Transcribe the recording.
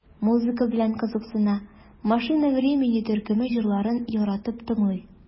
Музыка белән кызыксына, "Машина времени" төркеме җырларын яратып тыңлый.